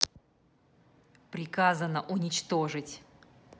приказано уничтожить